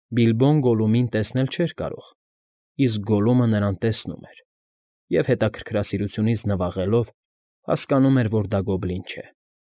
Բիլբոն Գոլլումին տեսնել չէր կարող, իսկ Գոլլումը նրան տեսնում էր և, հետաքրքրասիրությունից նվաղելով, հասկանում էր, որ դա գոբլին չէ։